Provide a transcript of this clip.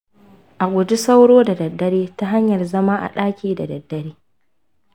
a guji sauro da daddare ta hanyar zama a daki da daddare